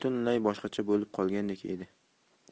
butunlay boshqacha bo'lib qolgandek edi